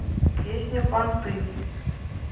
песня понты